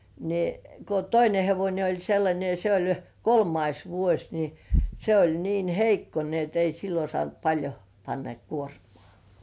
niin kun toinen hevonen oli sellainen ja se oli kolmas vuosi niin se oli niin heikko niin että ei silloin saanut paljon panna kuormaa